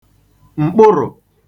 m̀kpụrụ̀